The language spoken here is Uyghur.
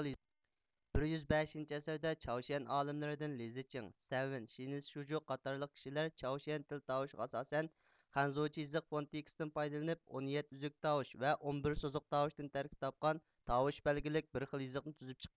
بىر يۈز بەشىنچى ئەسىردە چاۋشيەن ئالىملىرىدىن لىزىچىڭ سەنۋىن شىنس شۇجۇ قاتارلىق كىشىلەر چاۋشيەن تىل تاۋۇشىغا ئاساسەن خەنزۇچە يېزىق فونېتىكىسىدىن پايدىلىنىپ ئون يەتتە ئۈزۈك تاۋۇش ۋە ئون بىر سوزۇق تاۋۇشتىن تەركىب تاپقان تاۋۇش بەلگىلىك بىر خىل يېزىقنى تۈزۈپ چىققان